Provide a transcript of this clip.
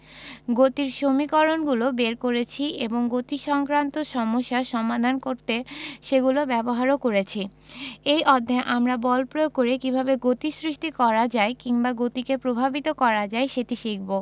গতির সমীকরণগুলো বের করেছি এবং গতিসংক্রান্ত সমস্যা সমাধান করতে সেগুলো ব্যবহারও করেছি এই অধ্যায়ে আমরা বল প্রয়োগ করে কীভাবে গতির সৃষ্টি করা যায় কিংবা গতিকে প্রভাবিত করা যায় সেটি শিখব